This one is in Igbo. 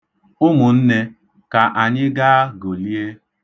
Ụmụnne, ka anyị gaa golie.